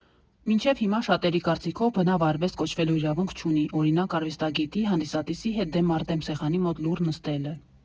Մինչև հիմա շատերի կարծիքով բնավ արվեստ կոչվելու իրավունք չունի, օրինակ, արվեստագետի՝ հանդիսատեսի հետ դեմ առ դեմ սեղանի մոտ լուռ նստելը։